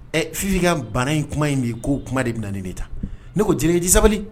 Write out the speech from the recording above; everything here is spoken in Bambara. Ɛ fifinig bana in kuma in bɛ ko kuma de bɛ na nin de ta ne ko j ye di sabalibali